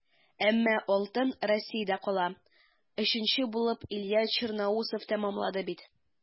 Әмма алтын Россиядә кала - өченче булып Илья Черноусов тәмамлады бит.